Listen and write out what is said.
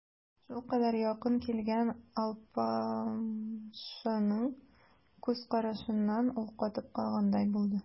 Шулкадәр якын килгән алпамшаның күз карашыннан ул катып калгандай булды.